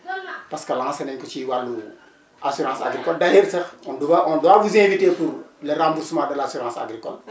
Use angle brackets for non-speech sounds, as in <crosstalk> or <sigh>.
<crosstalk> parce que lancer nañu ko ci wàllu assurance agricole d' ailleurs sax on doit on doit vous inviter pour le remboursement de l' assurance agricole